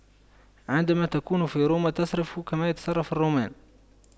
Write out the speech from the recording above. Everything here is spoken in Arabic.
عندما تكون في روما تصرف كما يتصرف الرومان